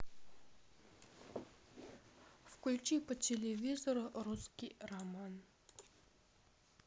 включи по телевизору русский роман